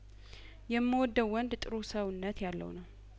የም ወደው ወንድ ጥሩ ሰውነት ያለው ነው